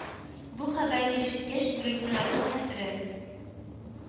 Бу хәбәрне ишеткәч, грузиннарның хәтере